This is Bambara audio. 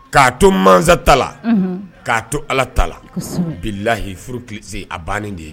K'a to masa tala k'a to ala ta la bilayi furu kise a bannen de ye